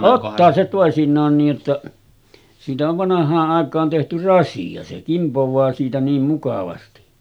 ottaa se toisinaan niin jotta siitä on vanhaan aikaan tehty rasia se kimpoaa siitä niin mukavasti